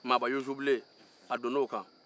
maabayusubilen a donna o kan